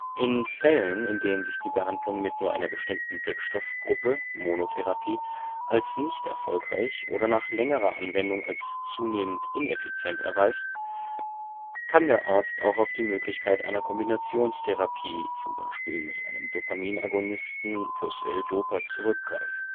In Fällen, in denen sich die Behandlung mit nur einer bestimmten Wirkstoffgruppe (Monotherapie) als nicht erfolgreich oder nach längerer Anwendung als zunehmend ineffizient erweist, kann der Arzt auch auf die Möglichkeit einer Kombinationstherapie (z.B. Dopaminagonist + L-Dopa) zurückgreifen